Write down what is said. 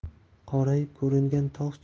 qorayib ko'ringan tog'